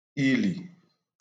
ilì